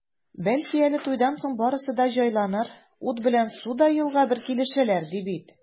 Бәлки әле туйдан соң барысы да җайланыр, ут белән су да елга бер килешәләр, ди бит.